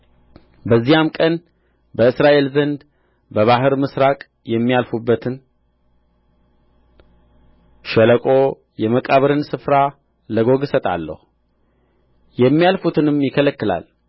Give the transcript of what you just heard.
በዚያም ቀን በእስራኤል ዘንድ በባሕር ምሥራቅ የሚያልፉበትን ሸለቆ የመቃብርን ስፍራ ለጎግ እሰጣለሁ የሚያልፉትንም ይከለክላል